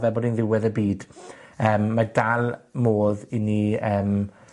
fel bod e'n ddiwedd y byd. Yym, ma' dal modd i ni yym